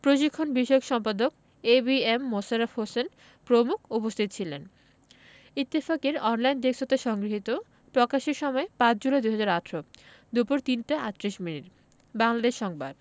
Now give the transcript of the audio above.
প্রশিক্ষণ বিষয়ক সম্পাদক A B M Mosharraf Hossain প্রমুখ উপস্থিত ছিলেন ইত্তফাকের অনলাইন ডেস্ক হতে সংগৃহীত প্রকাশের সময় ৫ জুলাই ২০১৮ দুপুর ৩টা ৩৮ মিনিট বাংলাদেশ সংবাদ